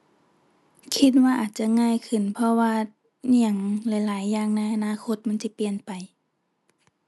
คิดว่าอาจจะง่ายขึ้น เพราะว่าอิหยังหลายหลายอย่างในอนาคตมันสิเปลี่ยนไป